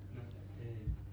no ei